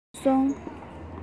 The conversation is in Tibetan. མཆོད སོང